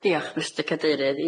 Diolch Mistyr Cadeirydd. Ia